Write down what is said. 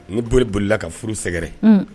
N boli bolila ka furu sɛgɛrɛ